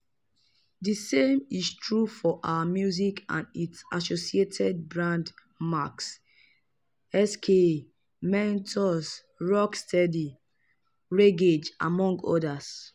The same is true for our music and its associated brand marks, Ska, Mento, Rock Steady, Reggae among others.